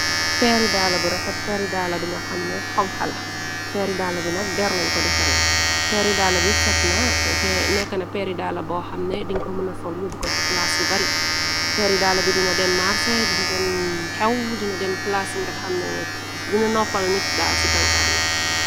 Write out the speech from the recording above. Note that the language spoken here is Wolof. Peeridaala bu refet peeri daala bi nga xam ne bu xonkala peeri daala bi nag deerlañ ko defaree peeri daala bi setna te nekkna peeri daala boo xamne dinko mu na sol yóbb ko ci plaas yu bari peeri daala bi dina dem marse dina dem xew dina dem plaasy na xane dina noppal nit daal ci tankam bi.